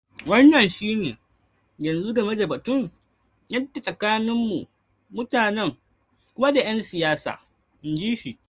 Wannan shi ne yanzu game da batun yadda tsakaninmu - mutanen - kuma da 'yan siyasa ', inji shi.